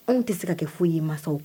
Anw tɛ se ka kɛ foyi ye mansaw